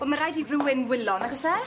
Wel ma' raid i rywun wylo, nag o's e?